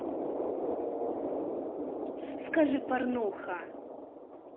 скажи порнуха